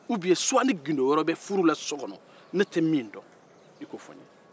ubiɲɛ suwa ni gundo wɛrɛ bɛ furu la so kɔnɔ ne tɛ min dɔ e k'o fɔ n ye